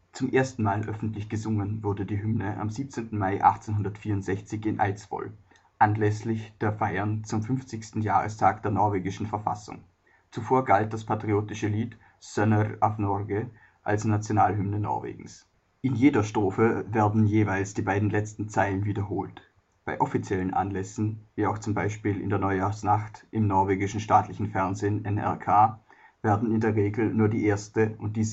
Zum ersten Mal öffentlich gesungen wurde die Hymne am 17. Mai 1864 in Eidsvoll anlässlich der Feiern zum fünfzigsten Jahrestag der norwegischen Verfassung. Zuvor galt das patriotische Lied Sønner av Norge als Nationalhymne Norwegens. In jeder Strophe werden jeweils die beiden letzten Zeilen wiederholt. Bei offiziellen Anlässen, wie auch z. B. in der Neujahrsnacht im norwegischen staatlichen Fernsehen NRK, werden in der Regel nur die erste und die siebte